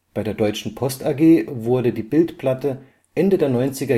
Bei der Deutschen Post AG wurde die Bildplatte Ende der 90er